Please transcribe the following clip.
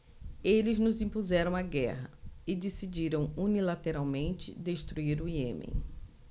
eles nos impuseram a guerra e decidiram unilateralmente destruir o iêmen